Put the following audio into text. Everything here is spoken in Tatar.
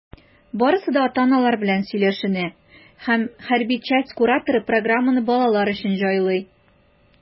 Барысы да ата-аналар белән сөйләшенә, һәм хәрби часть кураторы программаны балалар өчен җайлый.